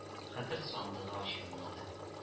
Хәтер сандыгы ачылмады